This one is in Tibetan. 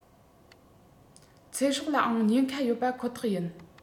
ཚེ སྲོག ལའང ཉེན ཁ ཡོད པ ཁོ ཐག ཡིན